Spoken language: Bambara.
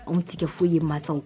Anw tigɛ foyi ye mansaw